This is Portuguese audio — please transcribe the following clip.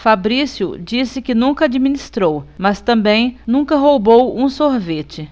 fabrício disse que nunca administrou mas também nunca roubou um sorvete